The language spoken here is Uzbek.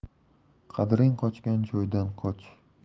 qadring qochgan joydan qoch